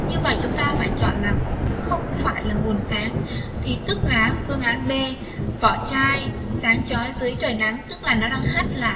như vậy chúng ta phải chọn không phải là nguồn sáng thì tức là phương án b vỏ chai sáng chó dưới trời nắng tức là nó đang hát là